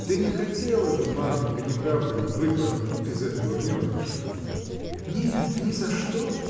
— Ты не хотела бы, Марфинька, не правда ли, выпорхнуть из этого гнездышка? — Нет, ни за что!